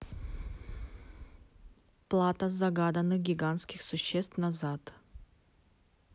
плата загаданных гигантских существ назад